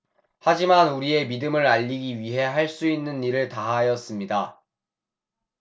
하지만 우리의 믿음을 알리기 위해 할 수 있는 일을 다하였습니다